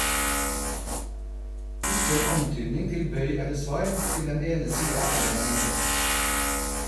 Ikke en antydning til bøy eller svai, til den ene sida eller den andre.